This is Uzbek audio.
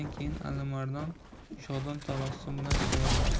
keyin alimardon shodon tabassum bilan shivirladi